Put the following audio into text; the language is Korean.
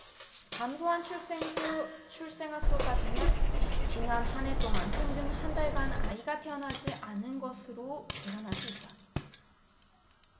감소한 출생아 수로 따지면 지난 한 해 동안 평균 한 달간 아이가 태어나지 않은 것으로 계산할 수 있다